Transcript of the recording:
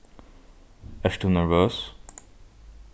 ert tú nervøs